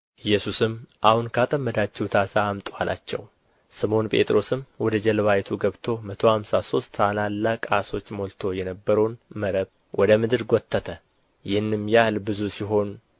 ኢየሱስም አሁን ካጠመዳችሁት ዓሣ አምጡ አላቸው ስምዖን ጴጥሮስም ወደ ጀልባይቱ ገብቶ መቶ አምሳ ሦስት ታላላቅ ዓሦች ሞልቶ የነበረውን መረብ ወደ ምድር ጐተተ ይህንም ያህል ብዙ ሲሆን